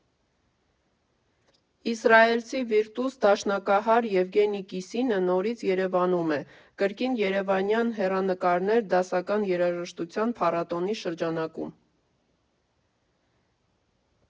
Իսրայելցի վիրտուզ դաշնակահար Եվգենի Կիսինը նորից Երևանում է՝ կրկին «Երևանյան հեռանկարներ» դասական երաժշտության փառատոնի շրջանակում։